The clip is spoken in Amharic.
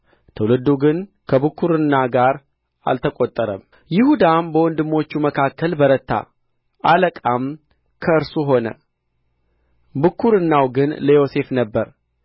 ትውልዱ ግን ከብኵርና ጋር አልተቈጠረም ይሁዳም በወንድሞቹ መካከል በረታ አለቃም ከእርሱ ሆነ ብኵርናው ግን ለዮሴፍ ነበረ